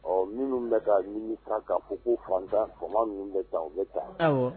Ɔ minnu bɛ ka min ta' fɔ ko fantan faama minnu bɛ taa u bɛ taa